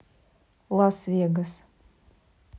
лас вегас